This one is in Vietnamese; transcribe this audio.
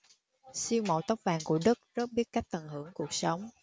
siêu mẫu tóc vàng của đức rất biết cách tận hưởng cuộc sống